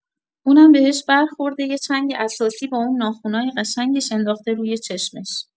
اونم بهش برخورده، یه چنگ اساسی با اون ناخنای قشنگش انداخته روی چشمش.